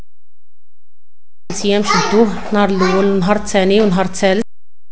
يمه فدوه نار ليل نهار ثاني ونهار